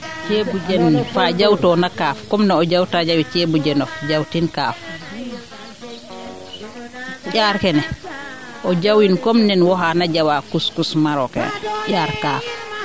ceebu jen faa jaw toona kaaf comme ne o jaw jawta jawit ceebu jenof jaw tin kaaf njaar kene o jawin comme nene xaana jawa couscous marocain njaar kaf